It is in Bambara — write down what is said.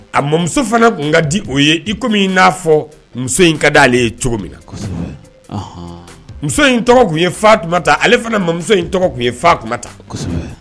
A mamuso fana tun ka di o ye i na fɔ muso in ka diale ye cogo min na muso in tɔgɔ tun ye fa ta ale fanamuso in tɔgɔ tun ye fa ta